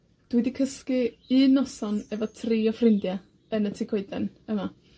Dwi 'di cysgu un noson efo tri o ffrindia yn y tŷ coeden yma.